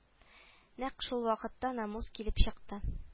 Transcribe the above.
Нәкъ шулвакытта намус килеп чыкты